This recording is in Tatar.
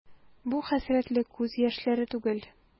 Бу хәсрәтле күз яшьләре түгел.